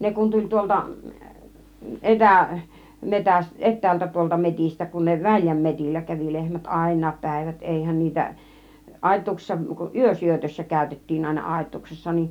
ne kun tuli tuolta -- etäältä tuolta metsistä kun ne väljän metsillä kävi lehmät aina päivät eihän niitä aitauksissa yösyötössä käytettiin aina aitauksessa niin